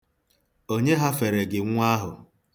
Onye hafere gị nwa ahụ?